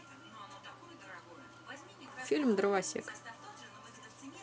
фильм дровосек